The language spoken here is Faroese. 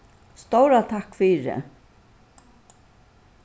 stóra takk fyri